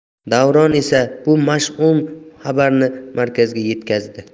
davron esa bu mashum xabarni markazga yetkazdi